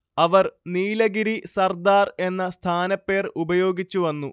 അവർ നീലഗിരി സർദാർ എന്ന സ്ഥാനപ്പേർ ഉപയോഗിച്ചു വന്നു